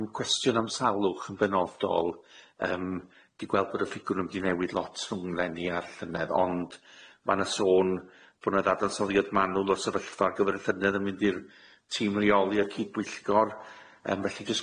Yym cwestiwn am sawlwch yn benodol yym di gweld bod y ffigwr yn mynd i newid lot fy ngwne ni ar llynedd ond ma' na sôn bo' na ddadansoddiad manwl o sefyllfa ar gyfer y llynedd yn mynd i'r tîm rioli a'r cydbwyllgor yym felly jys